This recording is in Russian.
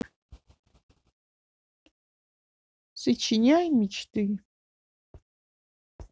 сочиняй мечты